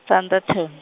Standerton .